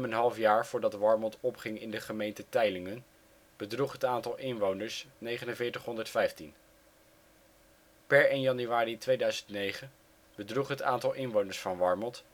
half jaar voordat Warmond opging in de gemeente Teylingen bedroeg het aantal inwoners 4915. Per 1 januari 2009 bedroeg het aantal inwoners van Warmond